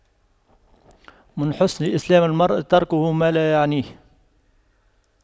من حسن إسلام المرء تَرْكُهُ ما لا يعنيه